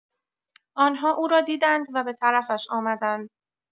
آنها او را دیدند و به طرفش آمدند.